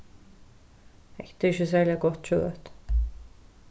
hetta er ikki serliga gott kjøt